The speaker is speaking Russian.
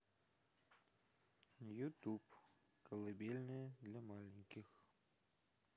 ютуб колыбельная для маленьких